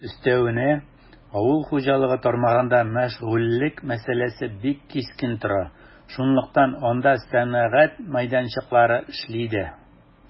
Өстәвенә, авыл хуҗалыгы тармагында мәшгульлек мәсьәләсе бик кискен тора, шунлыктан анда сәнәгать мәйданчыклары эшли дә.